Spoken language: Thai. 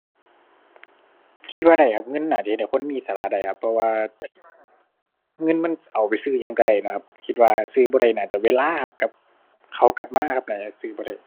คิดว่าได้ครับ เงินน่าจะเฮ็ดให้คนมีอิสระได้ครับ เพราะว่าเงินมันเอาไปซื้ออิหยังก็ได้เนาะครับ คิดว่าซื้อบ่ได้น่าจะเวลาครับ กับเขากลับมาครับ น่าจะซื้อบ่ได้